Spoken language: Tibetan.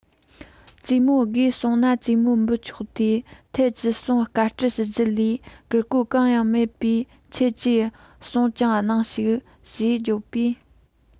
ཙེ མོ དགོས གསུངས ན ཙེ མོ འབུལ ཆོག དེའི ཐད ཅི གསུངས བཀའ སྒྲུབ ཞུ རྒྱུ ལས ཀར ཀོར གང ཡང མེད པས ཁྱེད ཀྱི གསུང རྐྱང གནང ཞིག ཅེས བརྗོད པས